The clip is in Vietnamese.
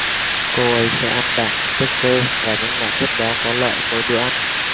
cô ấy sẽ ăn đạm chất xơ và những loại chất béo có lợi mỗi bữa ăn